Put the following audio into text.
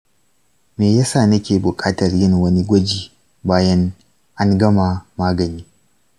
me yasa nake buƙatar yin wani gwaji bayan an gama magani?